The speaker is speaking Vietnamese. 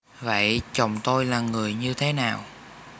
vậy chồng tôi là người như thế nào